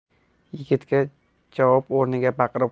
yigitga javob o'rnida baqirib